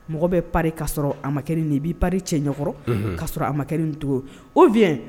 Mɔgɔ bɛ pa k'a sɔrɔ a ma kɛ nin i bɛi pa cɛ ɲɛkɔrɔ k kaa sɔrɔ a ma kɛ ni cogo o v